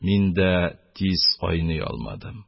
Мин дә тиз айный алмадым.